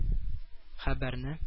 Хәбәрне